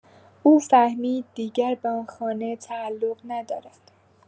او فهمید دیگر به آن خانه تعلق ندارد.